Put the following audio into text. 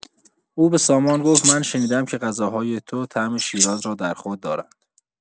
او به سامان گفت: من شنیدم که غذاهای تو طعم شیراز را در خود دارند.